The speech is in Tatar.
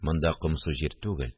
Монда комсу җир түгел